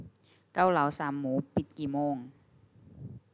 เกาเหลาสามหมูปิดกี่โมง